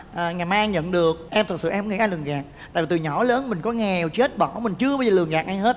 à ngày mai nhận được em thực sự em nghĩ ai lừa gạt tại vì từ nhỏ đến lớn mình có nghèo chết bỏ mình chưa bao giờ lừa gạt ai hết